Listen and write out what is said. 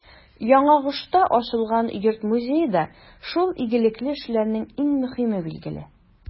Яңагошта ачылган йорт-музей да шул игелекле эшләрнең иң мөһиме, билгеле.